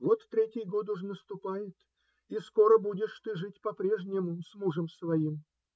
Вот третий год уже наступает, и скоро будешь ты жить по-прежнему с мужем своим.